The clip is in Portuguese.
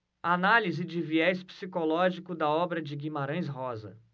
análise de viés psicológico da obra de guimarães rosa